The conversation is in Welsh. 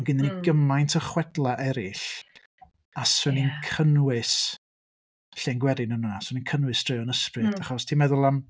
Ond ganddo ni... mm. ...gymaint o chwedlau eraill, a 'swn i'n... ia. ...cynnwys llen gwerin yn hwnna. 'Swn i'n cynnwys straeon ysbryd... hmm. ...achos ti'n meddwl am...